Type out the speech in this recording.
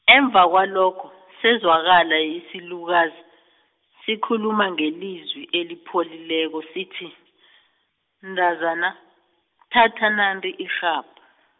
emva kwalokho sezwakala isilukazi, sikhuluma ngelizwi elipholileko sithi , mntazana thatha nanti irhabha.